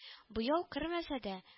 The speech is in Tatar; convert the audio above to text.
Буяу кермәсә дә